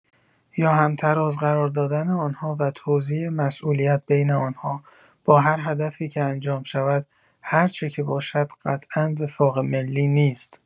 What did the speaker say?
یا هم‌طراز قرار دادن آنها و توزیع مسئولیت بین آنها با هر هدفی که انجام شود، هر چه که باشد، قطعا وفاق ملی نیست